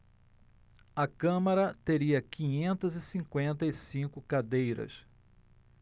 a câmara teria quinhentas e cinquenta e cinco cadeiras